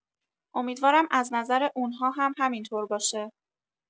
امیدوارم از نظر اونا هم همینطور باشه.